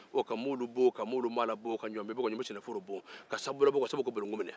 eloge